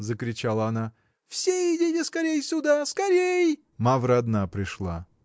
— закричала она, — все идите скорей сюда, скорей! Мавра одна пришла.